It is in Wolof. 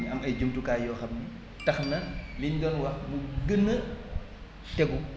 ñu am ay jumtukaay yoo xam ni tax na liñ doon wax mu gën a tegu